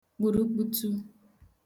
kpùrukputu